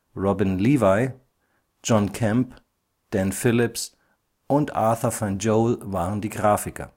Robin Levy, John Kemp, Dan Phillips und Arthur Van Jole waren die Grafiker